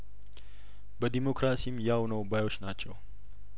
በዴሞክራሲም ያው ነው ባዮች ናቸው